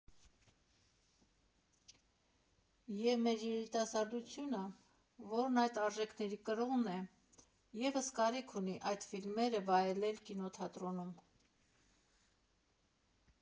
Եվ մեր երիտասարդությունը, որն այդ արժեքների կրողն է, ևս կարիք ունի այդ ֆիլմերը վայելել կինոթատրոնում»։